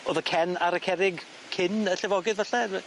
O'dd y cen ar y cerrig cyn y llefogydd falle?